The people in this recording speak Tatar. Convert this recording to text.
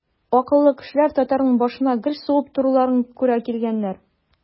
Акыллы кешеләр татарның башына гел сугып торуларын күрә килгәннәр.